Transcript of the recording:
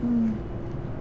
ừm